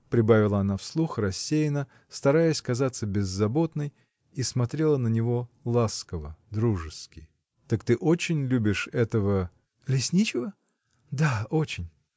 — прибавила она вслух, рассеянно, стараясь казаться беззаботной и смотрела на него ласково, дружески. — Так ты очень любишь этого. — Лесничего? да, очень!